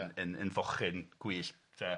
yn yn yn ffochyn gwyllt, 'de.